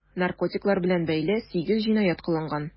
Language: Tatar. Наркотиклар белән бәйле 8 җинаять кылынган.